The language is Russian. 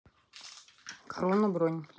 корона бронь